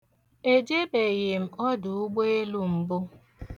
Ejebeghị m ọdụụgbeelụ mbụ.